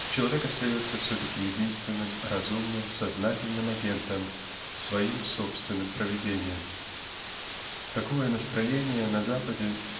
человек остается все-таки единственным разумным сознательным агентом своим собственным провидением. Такое настроение на Западе